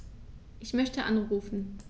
Ich möchte anrufen.